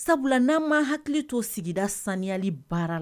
Sabula n'aan ma hakili t' sigida saniyali baara la